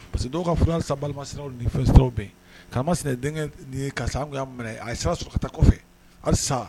Parce que dɔw ka furusa bɛ ka sɛnɛ denkɛ ye a sira suta kɔfɛ alisa